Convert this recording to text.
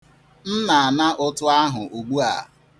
M na-ana ụtụ ahụ ugbua.